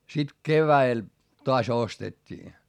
sitten keväällä taas ostettiin